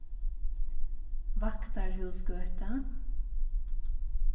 vaktarhúsgøta